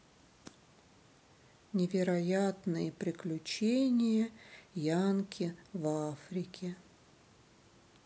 невероятные приключения янки в африке